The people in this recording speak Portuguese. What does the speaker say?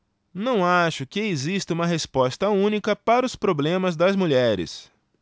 não acho que exista uma resposta única para os problemas das mulheres